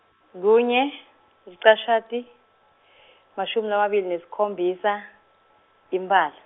kunye, lichashati , mashumi lamabili nesikhombisa, Imbala.